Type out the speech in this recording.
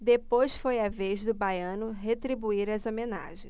depois foi a vez do baiano retribuir as homenagens